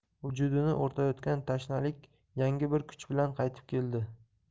vujudini o'rtayotgan tashnalik yangi bir kuch bilan qaytib keldi